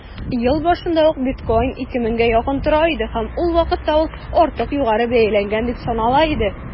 Ел башында ук биткоин 2 меңгә якын тора иде һәм ул вакытта ук артык югары бәяләнгән дип санала иде.